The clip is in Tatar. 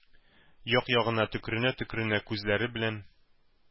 Як-ягына төкеренә-төкеренә күзләре белән